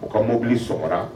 U ka mobilikurara